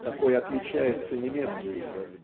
какой отличается немецкий